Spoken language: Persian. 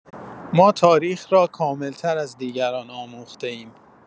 ما تاریخ را کامل‌تر از دیگران آموخته‌ایم.